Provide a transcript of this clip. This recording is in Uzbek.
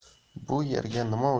bu yerga nima